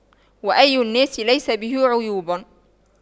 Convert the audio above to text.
وأي الناس ليس به عيوب